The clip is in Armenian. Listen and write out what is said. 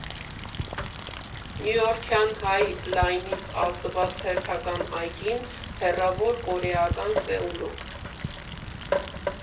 Նյույորքյան Հայ Լայնից ազդված հերթական այգին՝ հեռավոր կորեական Սեուլում։